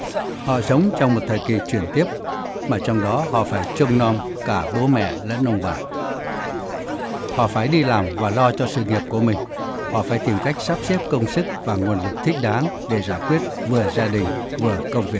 họ sống trong một thời kỳ chuyển tiếp mà trong đó họ phải trông nom cả bố mẹ lẫn ông bà họ phải đi làm và lo cho sự nghiệp của mình họ phải tìm cách sắp xếp công sức và nguồn lực thích đáng để giải quyết vừa gia đình vừa công việc